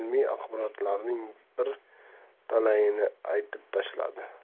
ilmiy axborotlarning bir talayini aytib tashladi